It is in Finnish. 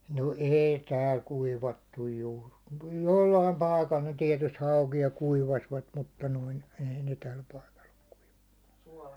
no ei täällä kuivattu juuri - jollakin paikalla ne tietysti haukia kuivasivat mutta noin ei ne tällä paikalla ole kuivannut